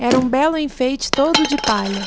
era um belo enfeite todo de palha